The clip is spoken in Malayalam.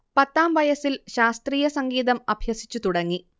പത്താം വയസിൽ ശാസ്ത്രീയ സംഗീതം അഭ്യസിച്ചു തുടങ്ങി